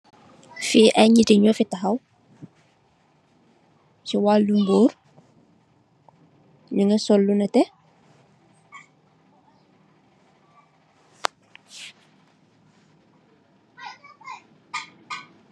Fii aiiy njiiti njur fii takhaw, cii waaloum ngurrr, njungy sol lu nehteh,